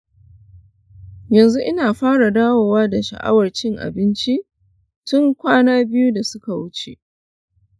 yanzu ina fara dawowa da sha’awar cin abinci tun kwana biyu da suka wuce.